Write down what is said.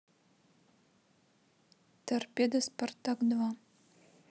торпедо спартак два